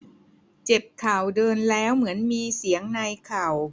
เจ็บเข่าเดินแล้วเหมือนมีเสียงในเข่า